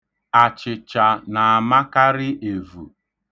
Achịcha na-amakarị evu